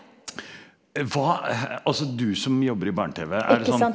hva altså du som jobber i barne-tv, er det sånn?